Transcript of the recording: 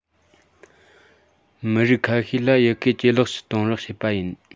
མི རིགས ཁ ཤས ལ ཡི གེ ཇེ ལེགས སུ གཏོང རོགས བྱས པ ཡིན